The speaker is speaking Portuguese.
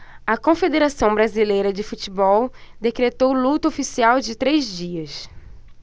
a confederação brasileira de futebol decretou luto oficial de três dias